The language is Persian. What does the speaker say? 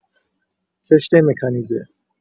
کشت مکانیزه